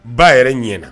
Ba yɛrɛ ɲɛna